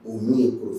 U n'u ye